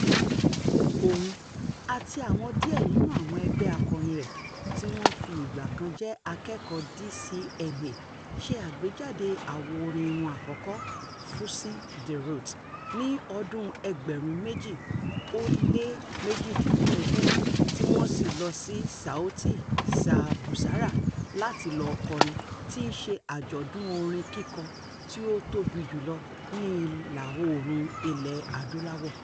Òun àti àwọn díẹ̀ nínú àwọn ẹgbẹ́ akọrin rẹ̀ tí wọ́n ti fi ìgbà kan jẹ́ akẹ́kọ̀ọ́ DCMA ṣe àgbéjáde àwo orin wọn àkọ́kọ́, "Fusing the Roots", ní ọdún-un 2018, tí wọ́n sì ń lọ sí Sauti za Busara láti lọ kọrin, tí í ṣe àjọ̀dún orin kíkọ tí ó tóbi jù lọ ní Ìlà-oòrùn Ilẹ̀ Adúláwọ̀.